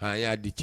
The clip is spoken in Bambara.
A y'a di cɛ